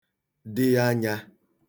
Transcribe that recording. dị anyā